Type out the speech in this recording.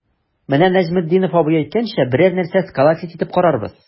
Менә Нәҗметдинов абый әйткәнчә, берәр нәрсә сколотить итеп карарбыз.